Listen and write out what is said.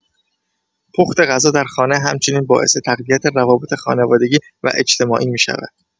پخت غذا در خانه همچنین باعث تقویت روابط خانوادگی و اجتماعی می‌شود.